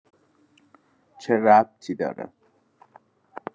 چه ربطی داره